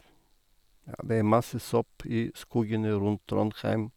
Ja, det er masse sopp i skogene rundt Trondheim.